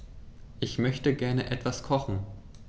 Ich möchte gerne etwas kochen.